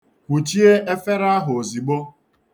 Kuchie efere ahụ ozigbo.